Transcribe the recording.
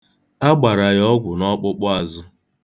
Agbara ya ọgwụ n'ọkpụkpụazụ.